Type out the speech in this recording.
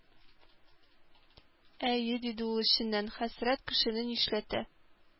«әйе,— диде ул эченнән,—хәсрәт кешене нишләтә!»